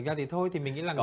là thì thôi thì mình nghĩ là